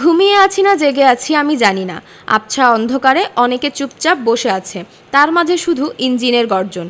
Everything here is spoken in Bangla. ঘুমিয়ে আছি না জেগে আছি আমি জানি না আবছা অন্ধকারে অনেকে চুপচাপ বসে আছে তার মাঝে শুধু ইঞ্জিনের গর্জন